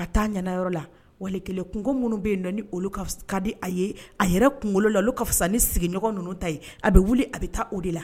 Ka taa ɲɛ na yɔrɔ la wali kelen kungo munun be yen non nolu ka di a ye , a yɛrɛ kunkolo la no ka fisa ni sigiɲɔgɔn ninnu ta ye. A bɛ wuli a bɛ taa o de la.